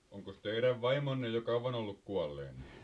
onkos teidän vaimonne jo kauan ollut kuolleena